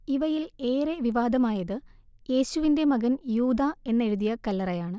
ഇവയിൽഏറെ വിവാദമായത് യേശുവിന്റെ മകൻ യൂദാ എന്നെഴുതിയ കല്ലറയാണ്